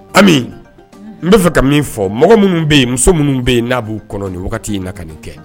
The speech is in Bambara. Ami n bɛ fɛ ka min fɔ mɔgɔ minnu bɛ yen muso minnu bɛ yen n'a b'u kɔnɔ nin wagati in na ka nin kɛ